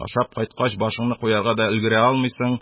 Ашап кайткач, башыңны куярга да өлгерә алмыйсың,